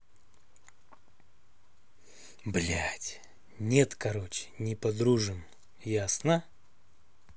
блядь нет короче не подружим ясно